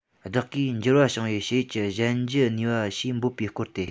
བདག གིས འགྱུར བ བྱུང བའི ཕྱི ཡུལ གྱི གཞན བརྒྱུད ནུས པ ཞེས འབོད པའི སྐོར ཏེ